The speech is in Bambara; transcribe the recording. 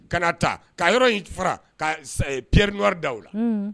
Ka ta ka yɔrɔ fara ka teri da la